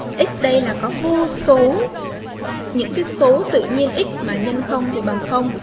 xd là có vô số số tự nhiên x mà nhân không thì bằng không